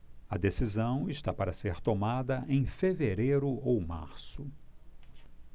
a decisão está para ser tomada em fevereiro ou março